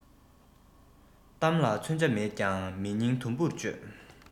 གཏམ ལ ཚོན ཆ མེད ཀྱང མི སྙིང དུམ བུར གཅོད